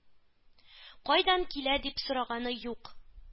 Кайдан килә дип сораганы юк?